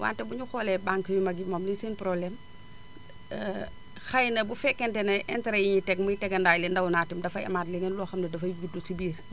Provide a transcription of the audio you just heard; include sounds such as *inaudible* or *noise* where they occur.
wante buñu xoolee banques yu mag yi moom liy seen problèmes *hesitation* xëy na bu fekkente ne interets yi ñuy teg muy tegendaay li ndaw naag dafay amaat leneen loo xam ne dafay dugg si biir